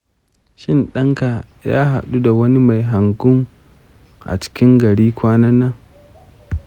shin ɗanka ya haɗu da wani mai hangum a cikin gari kwanan nan?